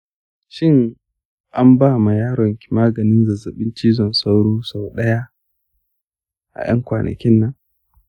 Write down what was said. shin an ba ma yaron ki maganin zazzaɓin cizon sauro sau daya a ƴan kwanakin nan?